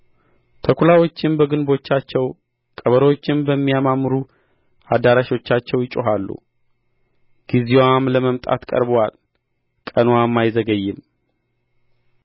ተኵላዎችም በግንቦቻቸው ቀበሮችም በሚያማምሩ አዳራሾቻቸው ይጮኻሉ ጊዜዋም ለመምጣት ቀርቦአል ቀንዋም አይዘገይም